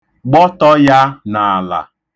Gbọtọ ya n'ala.